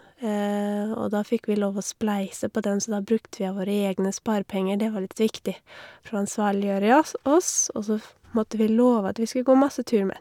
Og da fikk vi lov å spleise på den, så da brukte vi av våre egne sparepenger, det var litt viktig for å ansvarliggjøre jås oss og så f måtte vi love at vi skulle gå masse tur med den.